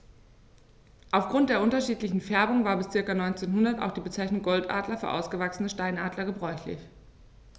Auf Grund der unterschiedlichen Färbung war bis ca. 1900 auch die Bezeichnung Goldadler für ausgewachsene Steinadler gebräuchlich.